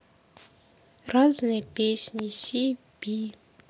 разные песни си пи